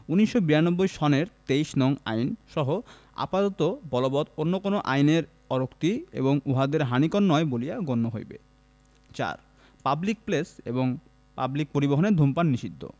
১৯৯২ সনের ২৩ নং আইন সহ আপাতত বলবৎ অন্য কোন আইন এর অরিক্তি এবংউহাদের হানিকর নয় বলিয়া গণ্য হইবে ৪ পাবলিক প্লেস এবং পাবলিক পরিবহণে ধূমপান নিষিদ্ধ